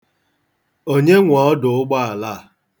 Onye nwe ọdụụgbọala a?